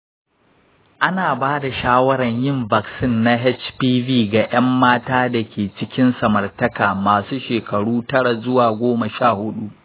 ana bada shawarar yin vaccine na hpv ga yan matan da ke cikin samartaka masu shekaru tara zuwa goma sha huɗu.